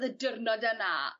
o'dd y diwrnod yna